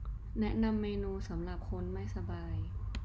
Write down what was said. แนะนำเมนูสำหรับคนไม่สบาย